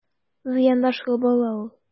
Зыяндашлы бала ул...